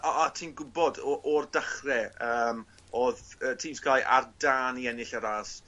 o- a ti'n gwbod o- ô'r dechre yym odd yy tîm Sky ar dân i ennill y ras.